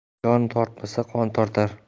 jon tortmasa qon tortar